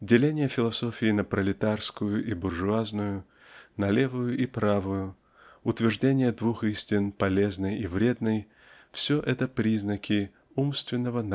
Деление философии на "пролетарскую" и "буржуазную" на "левую" и "правую" утверждение двух истин полезной и вредной -- все это признаки умственного